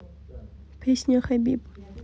песня хабиб